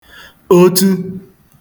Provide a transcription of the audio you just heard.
otu